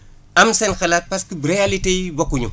am seen xalaat parce que réalités yi bokkuñu